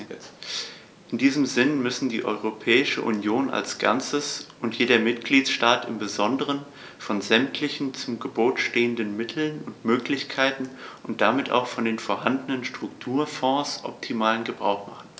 In diesem Sinne müssen die Europäische Union als Ganzes und jeder Mitgliedstaat im besonderen von sämtlichen zu Gebote stehenden Mitteln und Möglichkeiten und damit auch von den vorhandenen Strukturfonds optimalen Gebrauch machen.